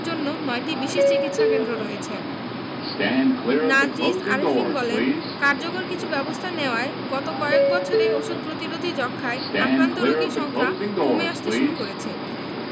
জন্য ৯টি বিশেষ চিকিৎসাকেন্দ্র রয়েছে নাজিস আরেফিন বলেন কার্যকর কিছু ব্যবস্থা নেয়ায় গত কয়েক বছরে ওষুধ প্রতিরোধী যক্ষ্মায় আক্রান্ত রোগীর সংখ্যা কমে আসতে শুরু করেছে